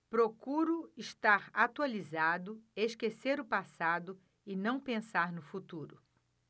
procuro estar atualizado esquecer o passado e não pensar no futuro